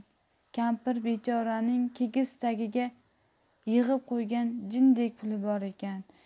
kampir bechoraning kigiz tagiga yig'ib qo'ygan jindek puli bor ekan